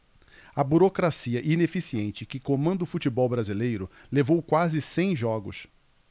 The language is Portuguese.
a burocracia ineficiente que comanda o futebol brasileiro levou quase cem jogos